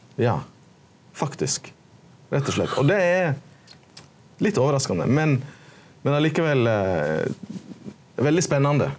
ja faktisk rett og slett og det er litt overraskande men men likevel veldig spanande.